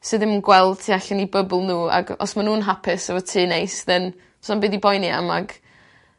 sy ddim yn gweld tu allan i bybl n'w ag os ma' nw'n hapus efo tŷ neis then sna'm byd i boeni am ag